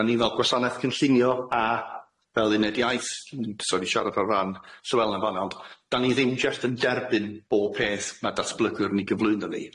da ni fel gwasanaeth cynllunio a fel uned iaith n- sori siarad ar ran Sywlea yn fana ond da ni ddim jyst yn derbyn bob peth ma' datblygwr yn ei gyflwyno ni.